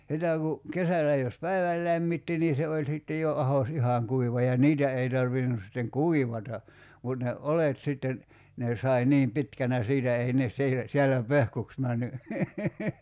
sitä kun kesällä jos päivän lämmitti niin se oli sitten jo ahdos ihan kuiva ja niitä ei tarvinnut sitten kuivata mutta ne oljet sitten ne sai niin pitkänä siitä ei ne siitä siellä pehkuksi mennyt